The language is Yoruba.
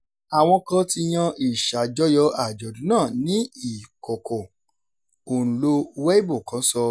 Àwọn kan ti yan ìṣàjọyọ̀ àjọ̀dún náà ní ìkọ̀kọ̀. Òǹlo Weibo kan sọ: